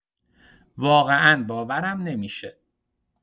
واقعا باورم نمی‌شه.